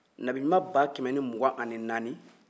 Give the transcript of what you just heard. nabi ɲuman bakɛmɛ ni mugan ani naani